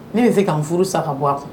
Ne bɛ fɛ ka n furu sa ka bɔ a kun.